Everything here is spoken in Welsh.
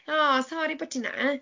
O, sori biti 'na.